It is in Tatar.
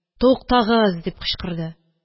«туктагыз! – дип кычкырды.